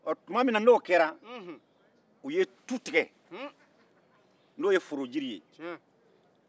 tuma min n'o kɛra u ye tu tigɛ n'o ye foro jiri ye